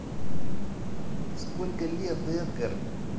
сколько лет эдгар